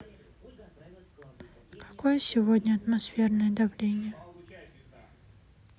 какое сегодня атмосферное давление